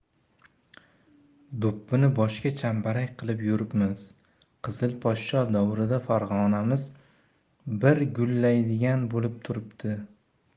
do'ppini boshga chambarak qilib yuribmiz qizil poshsho davrida farg'onamiz bi ir gullaydigan bo'lib turibdi